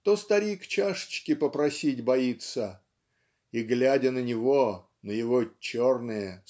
то старик чашечки попросить боится. И глядя на него на его "черные